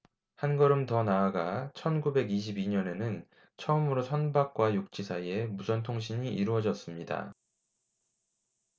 한 걸음 더 나아가 천 구백 이십 이 년에는 처음으로 선박과 육지 사이에 무선 통신이 이루어졌습니다